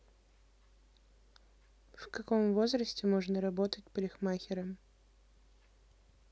в каком возрасте можно работать парикмахером